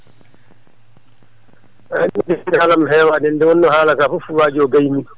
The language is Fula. eeyi min haala am heewaani heen nde wonnoo haala kaa fof waaji o gaynii ɗum